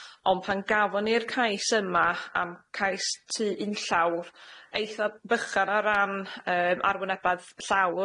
On' pan gafon ni'r cais yma am cais tŷ unllawr eitha bychan o ran yym arwynebedd llawr